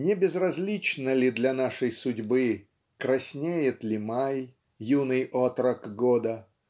не безразлично для нашей судьбы краснеет ли май юный отрок года